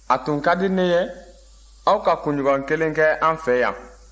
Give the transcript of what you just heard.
a tun ka di ne ye aw ka kunɲɔgɔn kelen kɛ an fɛ yan